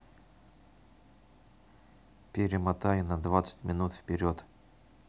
перемотай на двадцать минут вперед